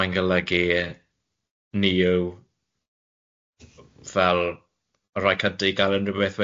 mae'n golygu ni yw fel rhai cynta i gael unrhywbeth